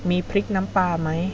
มีพริกน้ำปลาไหม